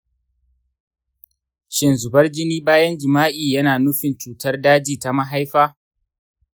shin zubar jini bayan jima’i yana nufin cutar daji ta mahaifa?